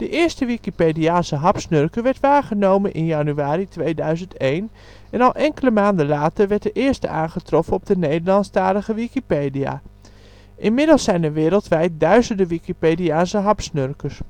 eerste Wikipediaanse hapsnurker werd waargenomen in januari 2001, en al enkele maanden later werd de eerste aangetroffen op de Nederlandstalige Wikipedia. Inmiddels zijn er wereldwijd duizenden Wikipediaanse hapsnurkers